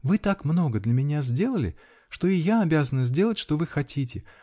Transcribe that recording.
-- Вы так много для меня сделали, что и я обязана сделать, что вы хотите